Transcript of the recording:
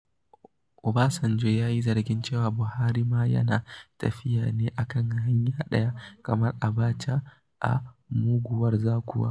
Obasanjo ya yi zargin cewa Buhari ma yana tafiya ne a kan "hanya ɗaya" kamar Abacha "a muguwar zaƙuwa".